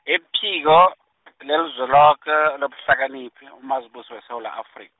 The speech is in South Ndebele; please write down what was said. iphiko, leliZweloke, lobuhlakaniphi, uMazibuse weSewula Afri-.